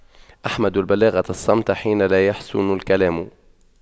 أحمد البلاغة الصمت حين لا يَحْسُنُ الكلام